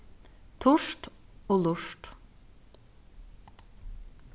turt og lurt